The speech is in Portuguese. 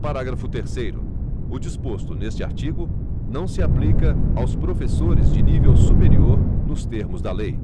parágrafo terceiro o disposto neste artigo não se aplica aos professores de nível superior nos termos da lei